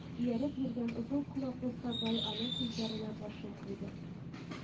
Ияреп йөргән озын колаклы сарбай аның тезләренә башын куйды